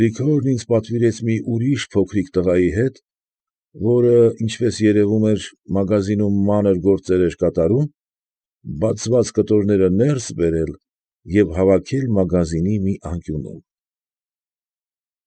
Գրիգորն ինձ պատվիրեց մի ուրիշ փոքրիկ տղայի հետ ֊ որը, ինչպես երևում էր, մագազինում մանր գործեր էր կատարում ֊ բացված կտորները ներս բերել և հավաքել մագազինի մի անկյունում։